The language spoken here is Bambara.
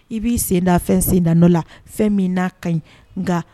I b'i senda fɛn sen nao la fɛn min'a ka ɲi